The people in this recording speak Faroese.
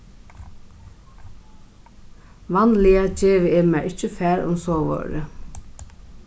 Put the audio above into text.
vanliga gevi eg mær ikki far um sovorðið